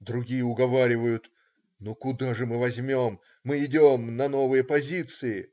Другие уговаривают: "Ну, куда же мы возьмем? Мы идем на новые позиции".